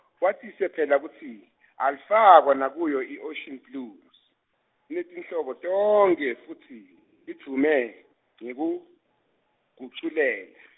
kwatise phela kutsi, alufakwa nakuyo i- Ocean Blues, inetinhlobo tonkhe futsi, idvume ngekuguculela.